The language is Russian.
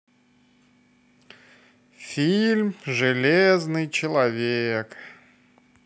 фильм железный человек